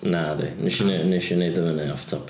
Nadi, wnes i wnes i wneud o fyny off top...